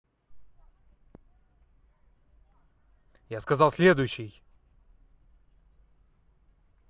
я сказал следующий